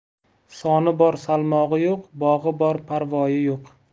soni bor salmog'i yo'q bog'i bor parvoyi yo'q